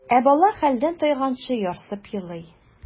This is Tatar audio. Ә бала хәлдән тайганчы ярсып елый.